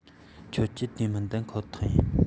ཁྱོད ཀྱི དེ མི འདེམ ཁོ ཐག རེད